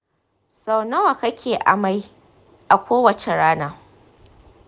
sau nawa kake amai a kowace rana?